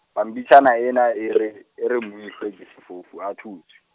pampitshana e ne e re, e re Moihlwe ke sefofu a thuswe.